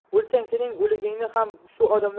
o'lsang sening o'ligingni ham shu